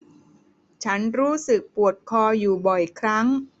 ฉันรู้สึกปวดคออยู่บ่อยครั้ง